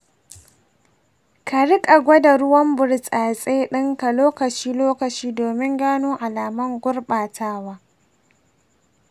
ka riƙa gwada ruwan burtsatse ɗinka lokaci-lokaci domin gano alamun gurɓatawa.